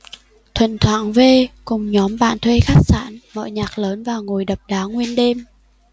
thỉnh thoảng v cùng nhóm bạn thuê khách sạn mở nhạc lớn và ngồi đập đá nguyên đêm